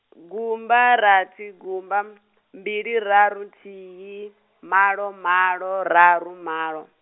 gumba rathi gumba, mbili raru nthihi, malo malo raru malo.